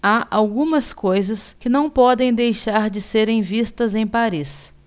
há algumas coisas que não podem deixar de serem vistas em paris